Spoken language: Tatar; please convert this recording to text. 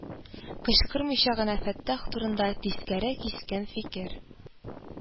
Кычкырмыйча гына фәттах турында тискәре-кискен фикер